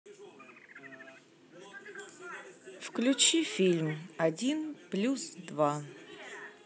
включи фильм один плюс два